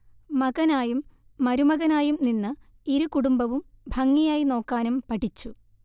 മകനായും മരുമകനായും നിന്ന് ഇരു കുടുംബവും ഭംഗിയായി നോക്കാനും പഠിച്ചു